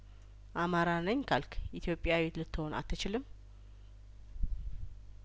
አማራ ነኝ ካልክ ኢትዮጵያዊ ልትሆን አትችልም